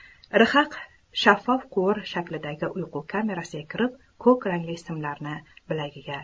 rhaq shaffof quvur shaklidagi uyqu kamerasiga kirib ko'k rangli simlarni bilagiga